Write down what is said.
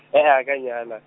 e e ga ke a nyala.